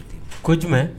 Ko jumɛn